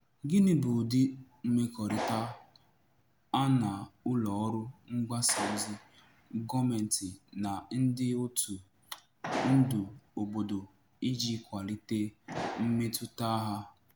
Gịnị bụ ụdị mmekọrịta ha na ụlọ ọrụ mgbasa ozi, gọọmentị, na ndị òtù ndu obodo iji kwalite mmetụta ha?